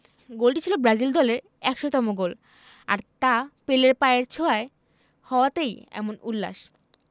গোলটি ছিল ব্রাজিল দলের ১০০তম গোল আর তা পেলের পায়ের ছোঁয়ায় হওয়াতেই এমন উল্লাস